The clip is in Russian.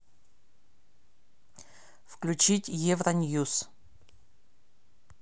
включить евро ньюс